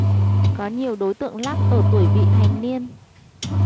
có nhiều đối tượng lắc ở tuổi vị thành niên